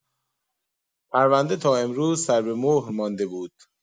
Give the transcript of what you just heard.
پرونده تا امروز سربه‌مهر مانده بود.